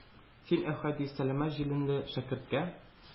Син, Әүхәди,- сәләмә җиләнле шәкерткә